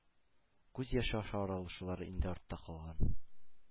Күз яше аша аралашулар инде артта калган.